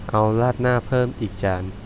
เอาราดหน้าเพิ่มอีกจาน